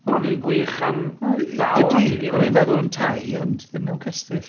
Mae'n un gwych am ddal at ei gilydd... Ydi, o'n i'n meddwl yn tai ond ddim mewn cestyll.